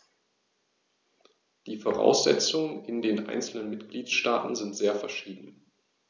Die Voraussetzungen in den einzelnen Mitgliedstaaten sind sehr verschieden.